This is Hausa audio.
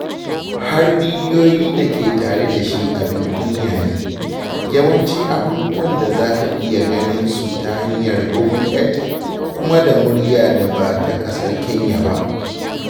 Har bidiyon da ke tare da shi abin kunya ne: yawanci abubuwan da za ka iya ganin su ta hanyar Google Earth, kuma da muryar da ba ta ƙasar Kenya ba.